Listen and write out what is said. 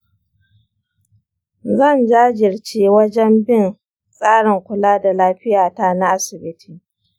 zan jajirce wajan bin tsarin kula da lafiyata na asibiti.